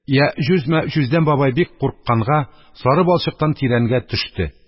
Яэҗүҗ-мәэҗүҗдән бабай бик курыкканга, сары балчыктан тирәнгә төште.